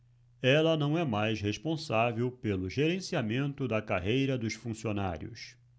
ela não é mais responsável pelo gerenciamento da carreira dos funcionários